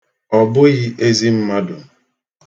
Ọ bụghi ezi mmadụ.